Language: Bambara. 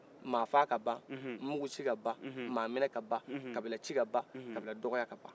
mɔgɔ faa ka ban mugu ci ka ban mɔgɔ minɛ ka ban kabila ci ka ban kabila dɔgɔya ka ban